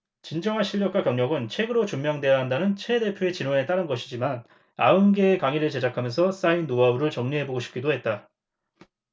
진정한 실력과 경력은 책으로 증명돼야 한다는 최 대표의 지론에 따른 것이지만 아흔 개의 강의를 제작하면서 쌓인 노하우를 정리해보고 싶기도 했다